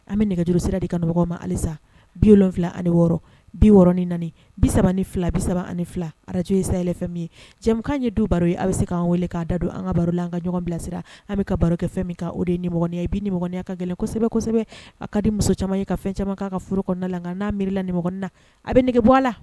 An bɛ nɛgɛjuru sira di ka ɲɔgɔn ma halisa bi wolonwula ani wɔɔrɔ bi wɔɔrɔɔrɔn ni bi3 ni fila bi3 ani fila araj ye sayay min ye cɛkan ye du baro ye a bɛ se k'an weele k'a da don an ka baro la an ka ɲɔgɔn bilasira an bɛ ka baro kɛ fɛn min o niya bi niya ka gɛlɛn kosɛbɛsɛbɛ a ka di muso caman ye ka fɛn caman kan ka foro kɔnɔn la nka n'a mila ni na a bɛ nɛgɛge bɔ a la